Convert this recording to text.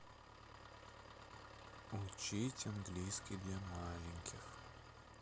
учить английский для маленьких